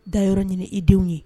Da yɔrɔ ɲini i denw ye